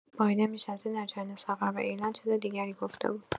بایدن پیش از این در جریان سفر به ایرلند چیز دیگری گفته بود.